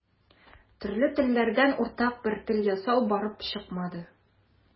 Төрле телләрдән уртак бер тел ясау барып чыкмады.